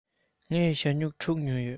ངས ཞྭ སྨྱུག དྲུག ཉོས ཡོད